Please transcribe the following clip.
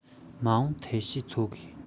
མ འོང ཐབས ཤེས འཚོལ དགོས